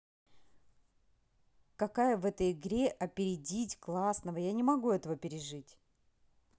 какая в этой игре опередить классного я не могу этого пережить